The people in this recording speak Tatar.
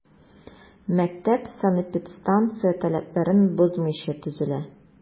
Мәктәп санэпидстанция таләпләрен бозмыйча төзелә.